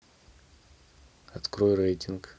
открой рейтинг